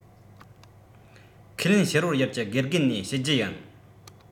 ཁས ལེན ཕྱི རོལ ཡུལ གྱི དགེ རྒན ནས བཤད རྒྱུ ཡིན